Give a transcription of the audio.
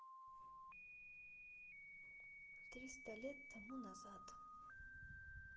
триста лет тому назад